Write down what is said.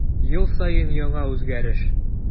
Ел саен яңа үзгәреш.